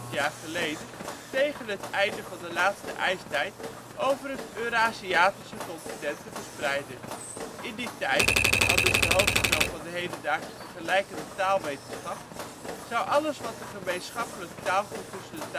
jaar geleden, tegen het einde van de laatste ijstijd over het Euraziatische continent te verspreiden. In die tijd, aldus de hoofdstroom van de hedendaagse vergelijkende taalwetenschap, zou alles wat er aan gemeenschappelijk taalgoed tussen